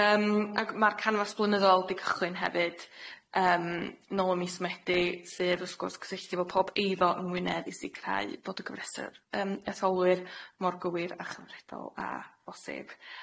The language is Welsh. Yym ag ma'r canfas blynyddol di cychwyn hefyd, yym nôl ym mis Medi sydd wrth gwrs cysylltu efo pob eiddo ym Mwynedd i sicrhau bod y gofresyr yym etholwyr mor gywir a chyfredol a bosib.